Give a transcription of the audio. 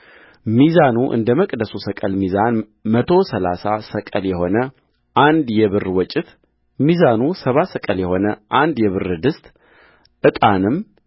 ሚዛኑ እንደ መቅደሱ ሰቅል ሚዛን መቶ ሠላሳ ሰቅል የሆነ አንድ የብር ወጭት ሚዛኑ ሰባ ሰቅል የሆነ አንድ የብር ድስትዕጣንም